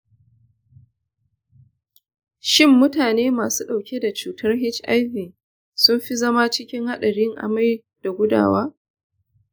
shin mutane masu ɗauke da cutar hiv sun fi zama cikin haɗarin amai da gudawa?